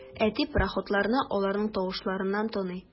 Әти пароходларны аларның тавышларыннан таный.